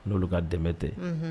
N'olu ka dɛmɛ tɛ